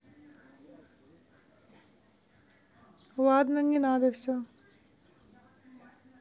ладно не надо все